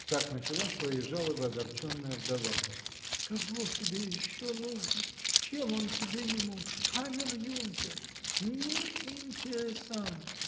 -- так начала свои жалобы огорченная вдова. -- Кого тебе еще нужно? Чем он тебе не муж? Камер-юнкер! не интересан!